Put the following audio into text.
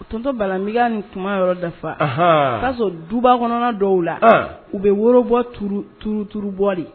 Tontɔ balalan miya nin kuma yɔrɔ dafa o y'a sɔrɔ duba kɔnɔna dɔw la u bɛ woro bɔ tuuru bɔli